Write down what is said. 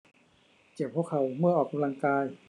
เจ็บหัวเข่าเมื่อออกกำลังกาย